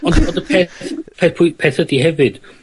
Ond ond y peth peth pwy- peth ydi hefyd